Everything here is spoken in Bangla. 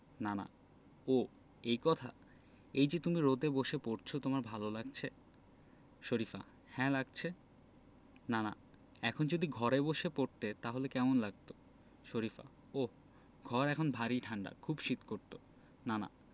নানা ও এই কথা এই যে তুমি রোদে বসে পড়ছ তোমার ভালো লাগছে শরিফা হ্যাঁ লাগছে নানা এখন যদি ঘরে বসে পড়তে তাহলে কেমন লাগত শরিফা ওহ ঘরে এখন ভারি ঠাণ্ডা খুব শীত করত নানা